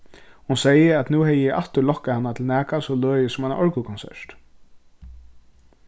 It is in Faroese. hon segði at nú hevði eg aftur lokkað hana til nakað so løgið sum eina orgulkonsert